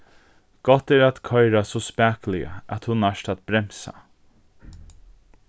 gott er at koyra so spakuliga at tú nært at bremsa